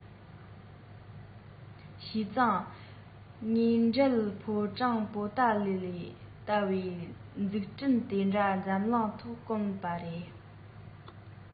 ཞུས ཙང དངོས འབྲེལ ཕོ བྲང པོ ཏ ལ ལྟ བུའི འཛུགས སྐྲུན དེ འདྲ འཛམ གླིང ཐོག དཀོན པོ རེད